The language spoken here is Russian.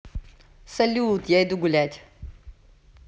салют я иду гулять